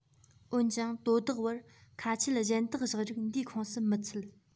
འོན ཀྱང དོ བདག བར ཁ ཆད གཞན དག བཞག རིགས འདིའི ཁོངས སུ མི ཚུད